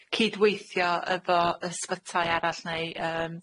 cydweithio efo ysbytai arall neu yym